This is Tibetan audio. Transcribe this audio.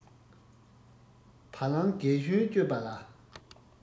བ ལང རྒན གཞོན དཔྱོད པ ལ